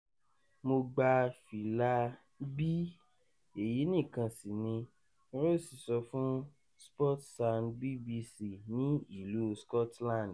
Mo gba fílà B èyí nìkan sìni, ‘’Ross sọ fún Sportsound BBC ti Ìlu Scotland.